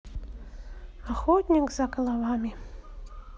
охотник за головами